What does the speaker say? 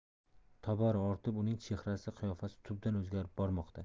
tobora ortib uning chehrasi qiyofasi tubdan o'zgarib bormoqda